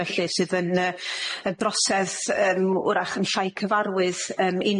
felly sydd yn yy yn broses yym 'w'rach yn llai cyfarwydd yym i